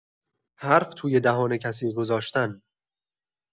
حرف توی دهان کسی گذاشتن